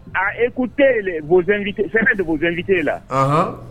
A écouté les, vos invités, certains de vos invités la Ahan